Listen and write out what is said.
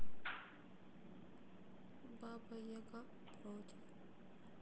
баба яга против